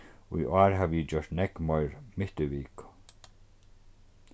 í ár havi eg gjørt nógv meir mitt í viku